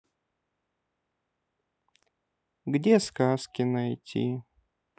где сказки найти